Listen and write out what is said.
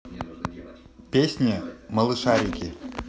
песни малышарики